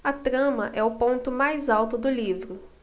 a trama é o ponto mais alto do livro